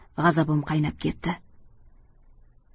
g'azabim qaynab ketdi